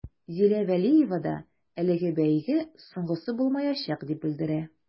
Зилә вәлиева да әлеге бәйге соңгысы булмаячак дип белдерә.